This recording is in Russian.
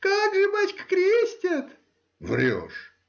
— Как же, бачка, крестят. — Врешь!